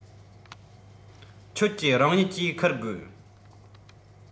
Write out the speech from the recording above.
ཁྱོད ཀྱིས རང ཉིད ཀྱིས འཁུར དགོས